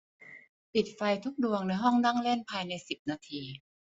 ปิดไฟทุกดวงในห้องนั่งเล่นภายในสิบนาที